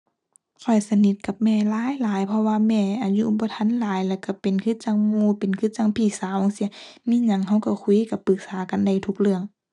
ข้อยสนิทกับแม่หลายหลาย เพราะว่าแม่อายุบ่ทันหลายแล้วก็เป็นคือจั่งหมู่ เป็นคือจั่งพี่สาวจั่งซี้ มีหยังก็ก็คุย ก็ปรึกษากันได้ทุกเรื่อง